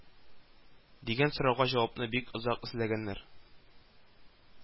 Дигән сорауга җавапны бик озак эзләгәннәр